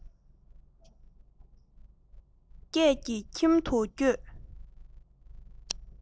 ཨ ཁུ འབྲུག རྒྱལ གྱི ཁྱིམ དུ བསྐྱོད